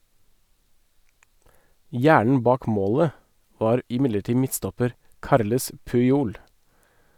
Hjernen bak målet var imidlertid midtstopper Carles Puyol.